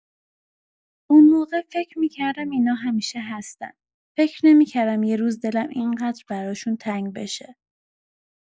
اون موقع فکر می‌کردم اینا همیشه هستن، فکر نمی‌کردم یه روز دلم این‌قدر براشون تنگ بشه.